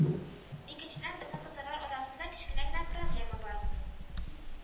Икенчедән, безнең татарлар арасында кечкенә генә проблема бар